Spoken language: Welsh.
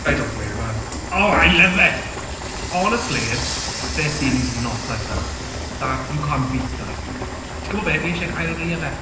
I don't blame her. Oh I love it. Honestly this series is not like that. That that you can't beat that series. Ti'n gwybod be fi isie ail wylio fe.